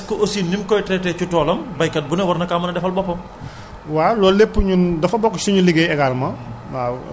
parce que yaa ngi naan su fekkee nit ki am na appareil am mën na dem jëndi produit bi est ce que aussi ni mu koy traité ci toolam baykat bu ne war na kaa mën a defal boppam